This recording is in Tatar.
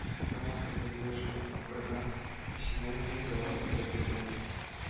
Һәм ул көне буе шул апайга эченнән генә җавап эзләп йөрде